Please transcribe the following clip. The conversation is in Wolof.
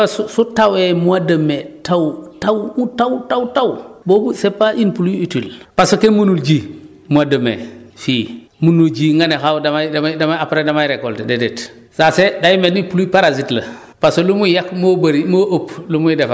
voilà xam nga lu ñuy wax pluie utile xam nga su tawee mois de mai taw taw aoû taw taw taw boobu c' est pas une pluie utile parce que munul ji mois de mai fii munul ji nga ne xaaral damay damay damay après damay récolter déedéet ça c' est day mel ni pluie parasite la